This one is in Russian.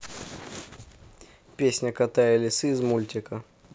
песня кота и лисы из мультика